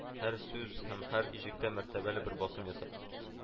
Һәр сүз һәм һәр иҗеккә мәртәбәле бер басым ясап